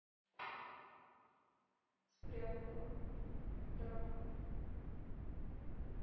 спрятала да